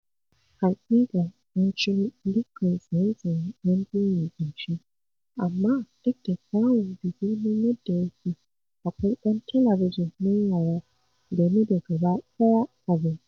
Haƙiƙa an ciro dukkan tsaye-tsaye don jerin ƙarshe, amma duk da kyawu da girman yadda yake, akwai ɗan talabijin na yara game da gaba ɗaya abin.